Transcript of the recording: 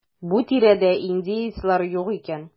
Бу тирәдә индеецлар юк икән.